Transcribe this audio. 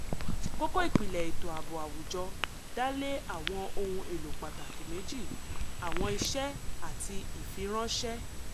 Kókó ìpìlẹ̀ ètò ààbò àwùjọ dá lé àwọn ohun èlò pàtàkì méjì: àwọn iṣẹ́ àti ìfiránṣẹ́.